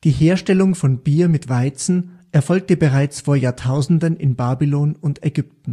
Herstellung von Bier mit Weizen erfolgte bereits vor Jahrtausenden in Babylon und